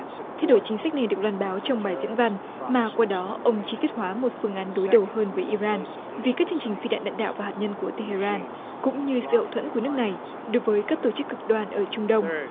thay đổi chính sách này được loan báo trong bài diễn văn mà qua đó ông chi tiết hóa một phương án đối đầu hơn với i ran vì các chương trình phi đạn đạn đạo và hạt nhân của tê hê ran cũng như sự hậu thuẫn của nước này đối với các tổ chức cực đoan ở trung đông